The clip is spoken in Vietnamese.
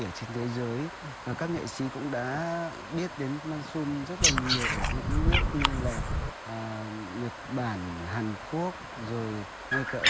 ở trên thế giới và các nghệ sĩ cũng đã biết đến măn sun rất là nhiều ở những nước như là nhật bản hàn quốc rồi ngay cả ở